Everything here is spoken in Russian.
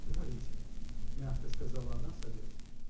— Говорите, — мягко сказала она, садясь.